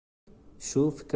shu fikrning uziyok